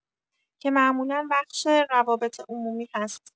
که معمولا بخش روابط‌عمومی هست